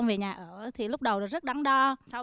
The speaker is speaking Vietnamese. về nhà ở thì lúc đầu rất đắn đo sau